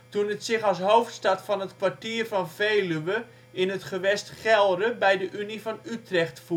toen het zich als hoofdstad van het Kwartier van Veluwe in het gewest Gelre bij de Unie van Utrecht